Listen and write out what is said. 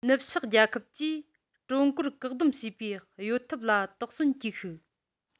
ནུབ ཕྱོགས རྒྱལ ཁབ ཀྱིས ཀྲུང གོར བཀག སྡོམ བྱེད པའི གཡོ ཐབས ལ དོགས ཟོན གྱིས ཤིག